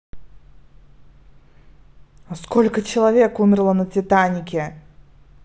а сколько человек умерло на титанике